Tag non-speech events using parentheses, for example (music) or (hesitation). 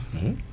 (hesitation) (hesitation)